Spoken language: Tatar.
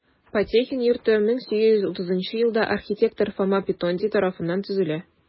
Потехин йорты 1830 елда архитектор Фома Петонди тарафыннан төзелә.